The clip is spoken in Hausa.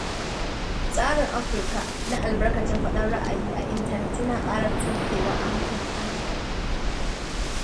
Tsarin Afirka na albarkacin faɗar ra'ayi a intanet yana ƙara tsukewa a hankali a hankali.